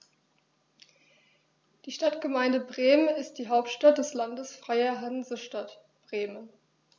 Die Stadtgemeinde Bremen ist die Hauptstadt des Landes Freie Hansestadt Bremen.